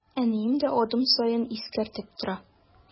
Әнием дә адым саен искәртеп тора.